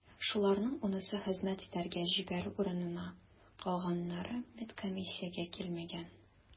Шуларның унысы хезмәт итәргә җибәрү урынына, калганнары медкомиссиягә килмәгән.